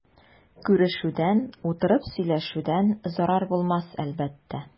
Күрешүдән, утырып сөйләшүдән зарар булмас әлбәттә.